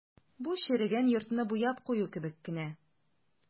Бу черегән йортны буяп кую кебек кенә.